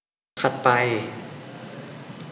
ถัดไป